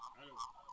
allo